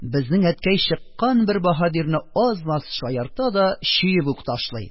Безнең әткәй чыккан бер баһадирны аз-маз шаярта да чөеп үк ташлый.